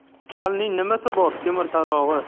kalning nimasi bor temir tarog'i